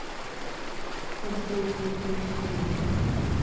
как сделать электрический велик